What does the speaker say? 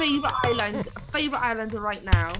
Favourite island- favourite islander right now?